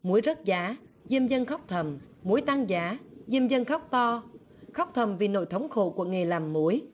muối rớt giá diêm dân khóc thầm muối tăng giá diêm dân khóc to khóc thầm vì nỗi thống khổ của nghề làm muối